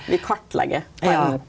vi kartlegg akkurat no.